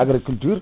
agriculture